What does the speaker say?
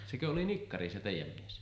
sekö oli nikkari se teidän mies